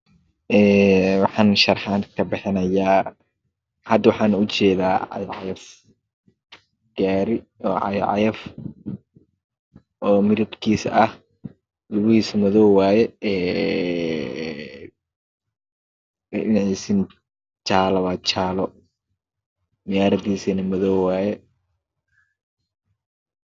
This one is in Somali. Een waxan sha raxadkabixinaya hada waxan ujedaa gari cagafcagafoo midibkis Ah Lugahiismadow ee dhinixisajalawaye murayadisamadowye